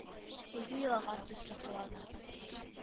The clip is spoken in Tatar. Үзе елаган төсле кылана